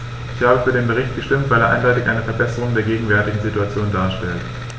Ich habe für den Bericht gestimmt, weil er eindeutig eine Verbesserung der gegenwärtigen Situation darstellt.